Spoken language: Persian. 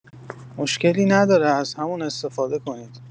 مشکلی نداره از همون استفاده کنید.